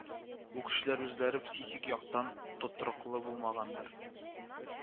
Бу кешеләр үзләре психик яктан тотрыклы булмагандыр